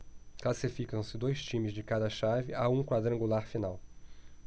classificam-se dois times de cada chave a um quadrangular final